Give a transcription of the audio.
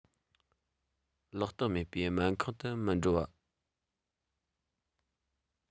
ལག རྟགས མེད པའི སྨན ཁང དུ མི འགྲོ བ